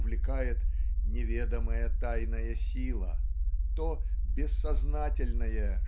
увлекает "неведомая тайная сила" то "бессознательное